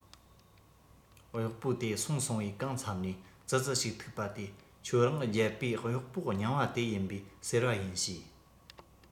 གཡོག པོ དེ སོང སོང བས གང མཚམས ནས ཙི ཙི ཞིག ཐུག པ དེས ཁྱོད རང རྒྱལ པོའི གཡོག པོ རྙིང པ དེ ཡིན པས ཟེར བ ཡིན བྱས